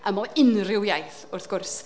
yym o unryw iaith wrth gwrs.